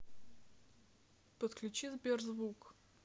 подключи сберзвук